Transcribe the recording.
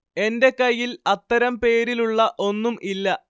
എന്റെ കയ്യിൽ അത്തരം പേരിലുള്ള ഒന്നും ഇല്ല